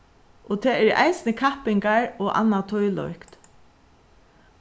og tað eru eisini kappingar og annað tílíkt